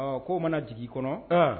Ɔ k'o mana jig'i kɔnɔ ann